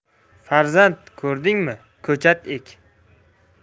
farzand ko'rdingmi ko'chat ek